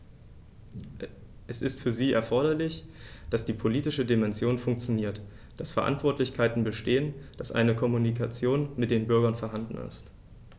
Es ist für sie erforderlich, dass die politische Dimension funktioniert, dass Verantwortlichkeiten bestehen, dass eine Kommunikation mit den Bürgern vorhanden ist.